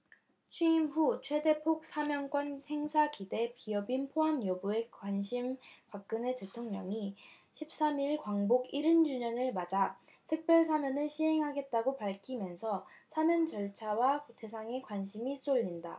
취임 후 최대폭 사면권 행사 기대 기업인 포함 여부에 관심 박근혜 대통령이 십 삼 일 광복 일흔 주년을 맞아 특별사면을 시행하겠다고 밝히면서 사면 절차와 대상에 관심이 쏠린다